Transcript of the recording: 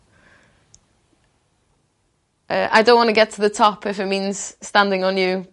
yy I don' wanna get to the top if it means standing on you